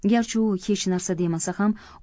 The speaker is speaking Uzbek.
garchi u hech narsa demasa ham